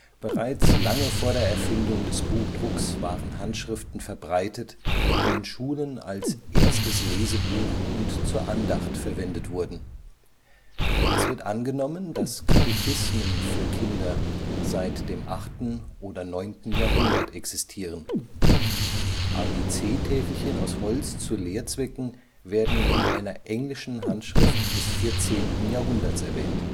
Bereits lange vor der Erfindung des Buchdrucks waren Handschriften verbreitet, die in Schulen als erstes Lesebuch und zur Andacht verwendet wurden. Es wird angenommen, dass Katechismen für Kinder seit dem 8. oder 9. Jahrhundert existieren. ABC-Täfelchen aus Holz zu Lehrzwecken werden in einer englischen Handschrift des 14. Jahrhunderts erwähnt